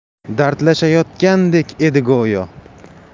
dardlashayotgandek edi go'yo